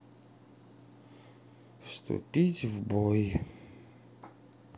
вступить в бой